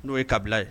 N'o ye kabila ye